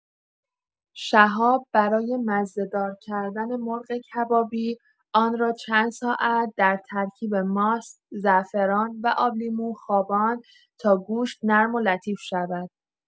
شهاب برای مزه‌دار کردن مرغ کبابی، آن را چند ساعت در ترکیب ماست، زعفران و آب‌لیمو خواباند تا گوشت نرم و لطیف شود.